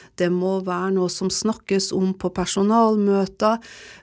det må være noe som snakkes om på personalmøter.